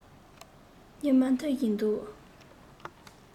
སྙེ མ འཐུ བཞིན འདུག